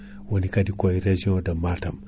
woni kaadi koye région de Matam